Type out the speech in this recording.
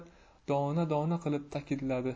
dona dona qilib ta'kidladi